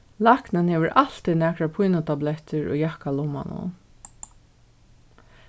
læknin hevur altíð nakrar pínutablettir í jakkalummanum